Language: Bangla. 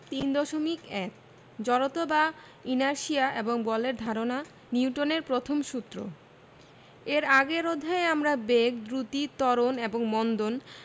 3.1 জড়তা বা ইনারশিয়া এবং বলের ধারণা নিউটনের প্রথম সূত্র এর আগের অধ্যায়ে আমরা বেগ দ্রুতি ত্বরণ এবং মন্দন